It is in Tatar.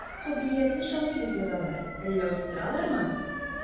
Аны кабилиятле шагыйрь дип язалар, әллә арттыралармы?